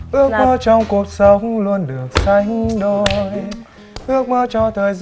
ước mơ trong cuộc sống luôn sánh đôi ước mơ cho thời